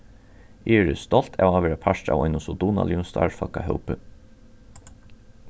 eg eri stolt av at vera partur av einum so dugnaligum starvsfólkahópi